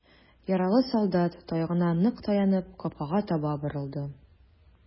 Яралы солдат, таягына нык таянып, капкага таба борылды.